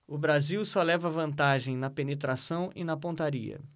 o brasil só leva vantagem na penetração e na pontaria